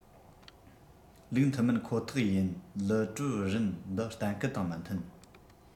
ལུགས མཐུན མིན ཁོ ཐག ཡིན ལི ཀྲུའུ རེན འདི གཏན འཁེལ དང མི མཐུན